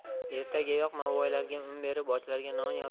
ertagayoq novvoylarga un berib ochlarga non